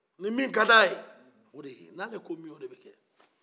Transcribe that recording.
ni min ka di a ye o de bɛ kɛ ni ale ko min ode bɛ kɛ